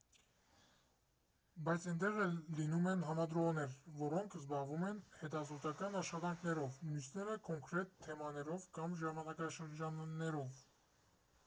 Բայց էնտեղ էլ լինում են համադրողներ, որոնք զբաղվում են հետազոտական աշխատանքներով, մյուսները՝ կոնկրետ թեմաներով կամ ժամանակաշրջաններով։